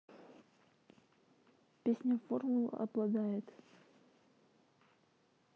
песня формула обладает